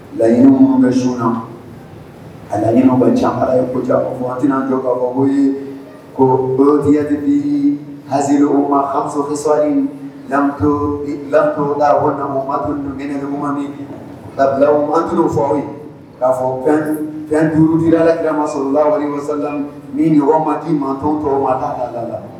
Layi minnu bɛ sun a layi ka caga ye ko kotan jɔ k'a fɔ ko ye ko barodiya de bi aliz o ma an musokisɛsarito lat la na mato donkuma min la bila mant fɔ k kaa fɔ fɛn fɛn duuruurudi lakimalawale wasa min ye omati mat tɔw ma taa la la